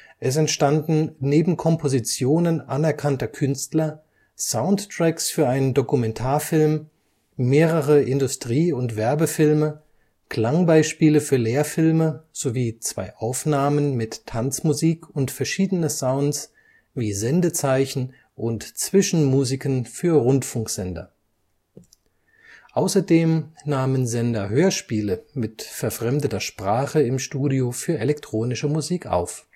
Es entstanden neben Kompositionen anerkannter Künstler Soundtracks für einen Dokumentarfilm, mehrere Industrie - und Werbefilme, Klangbeispiele für Lehrfilme, sowie zwei Aufnahmen mit Tanzmusik und verschiedene Sounds wie Sendezeichen und Zwischenmusiken für Rundfunksender. Außerdem nahmen Sender Hörspiele mit verfremdeter Sprache im Studio für elektronische Musik auf